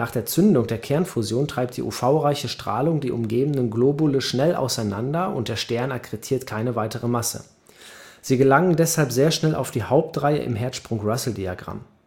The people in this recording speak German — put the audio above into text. der Zündung der Kernfusion treibt die UV-reiche Strahlung die umgebende Globule schnell auseinander und der Stern akkretiert keine weitere Masse. Sie gelangen deshalb sehr schnell auf die Hauptreihe im Hertzsprung-Russell-Diagramm